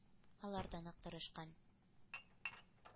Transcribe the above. Алар да нык тырышкан,